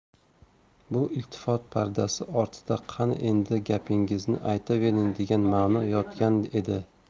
bu iltifot pardasi ortida qani endi gapingizni aytavering degan ma'no yotgan edi